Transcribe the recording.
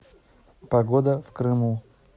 погода в крыму